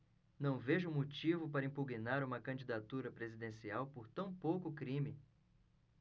não vejo motivo para impugnar uma candidatura presidencial por tão pouco crime